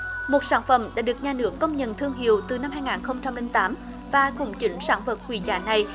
một sản phẩm đã được nhà nước công nhận thương hiệu từ năm hai ngàn không trăm linh tám ta cũng chính sản vật quý giá này